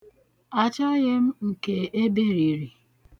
Achọghị nke ebiriri.